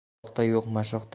o'roqda yo'q mashoqda